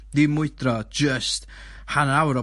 dim mwydro, jyst hanner awr o...